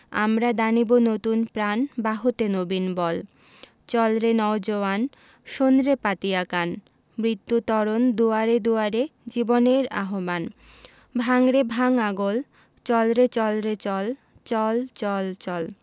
আমরা দানিব নতুন প্রাণ বাহুতে নবীন বল চল রে নও জোয়ান শোন রে পাতিয়া কান মৃত্যু তরণ দুয়ারে দুয়ারে জীবনের আহবান ভাঙ রে ভাঙ আগল চল রে চল রে চল চল চল চল